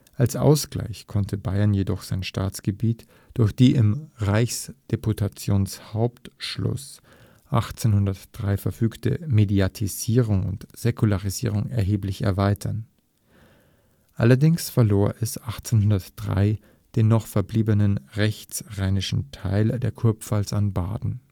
Als Ausgleich konnte Bayern jedoch sein Staatsgebiet durch die im Reichsdeputationshauptschluss 1803 verfügte Mediatisierung und Säkularisierung erheblich erweitern. Allerdings verlor es 1803 den noch verbliebenen rechtsrheinischen Teil der Kurpfalz an Baden